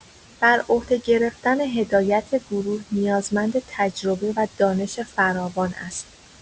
برعهده گرفتن هدایت گروه، نیازمند تجربه و دانش فراوان است.